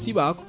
siɓako